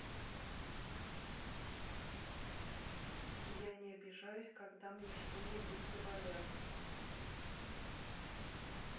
я не обижаюсь когда мне что нибудь говорят